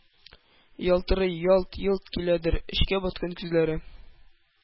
Ялтырый, ялт-йолт киләдер эчкә баткан күзләре,